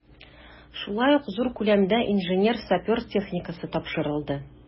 Шулай ук зур күләмдә инженер-сапер техникасы тапшырылды.